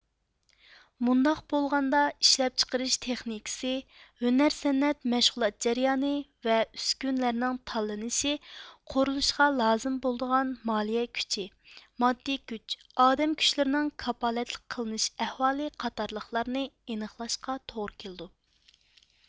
مۇنداق بولغاندا ئىشلەپچىقىرىش تېخنىكىسى ھۈنەر سەنئەت مەشغۇلات جەريانى ۋە ئۈسكۈنىلەرنىڭ تاللىنىشى قۇرۇلۇشقا لازىم بولىدىغان مالىيە كۈچى ماددىي كۈچ ئادەم كۈچلىرىنىڭ كاپالەتلىك قىلىنىش ئەھۋالى قاتارلىقلارنى ئېنىقلاشقا توغرا كېلىدۇ